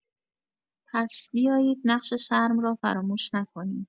پس بیایید نقش شرم را فراموش نکنیم.